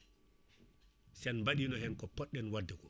sen baɗino hen ko poɗɗen wadde ko